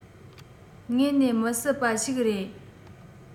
དངོས ནས མི སྲིད པ ཞིག རེད